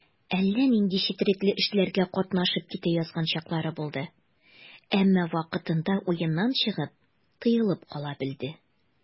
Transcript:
Әллә нинди четрекле эшләргә катнашып китә язган чаклары булды, әмма вакытында уеннан чыгып, тыелып кала белде.